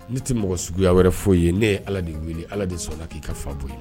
Ne tɛ mɔgɔ suguya wɛrɛ foi ye, ne ye allah de weele allah de sɔnna k'i ka fa bonya.